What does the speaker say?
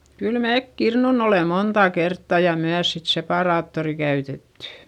kyllä me kirnunnut olemme monta kertaa ja myös sitten separaattoria käytetty